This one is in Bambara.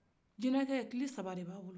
jinɛkɛ kili saba de b'a bolo